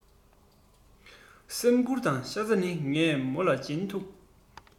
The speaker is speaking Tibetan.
སེམས ཁུར དང ཤ ཚ ནི ངས མོ ལ སྦྱིན ཐུབ